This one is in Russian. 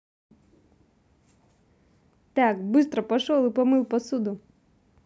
так быстро пошел и помыл посуду